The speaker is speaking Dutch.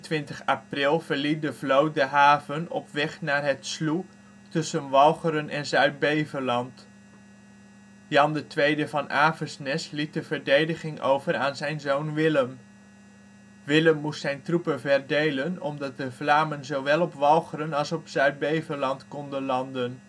23 april verliet de vloot de haven op weg naar het Sloe, tussen Walcheren en Zuid-Beveland. Jan II van Avesnes liet de verdediging over aan zijn zoon Willem. Willem moest zijn troepen verdelen, omdat de Vlamingen zowel op Walcheren als op Zuid-Beveland konden landden